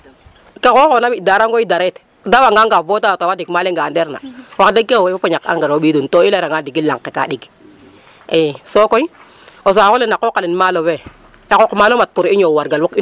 Yaam xooxaa koƥ ale fop to jegiro ka yipoona teen ke xooxona fi' darangoy dareet daawanga ngaaf bo daawatan o fadik ma leng a andeerna wax deg kene fop o ñak engrais yo ɓisiidun to i layranga ndigil lang ke ga ɗeg i sokoy saax ole no qooq ale maalo fe, a qooq maalo mat pour i ñoow wargal fook